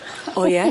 O ie?